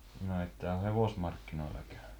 no ette ole hevosmarkkinoilla käynyt